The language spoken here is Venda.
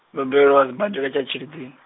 bebelwa badela tsha Tshilidzi.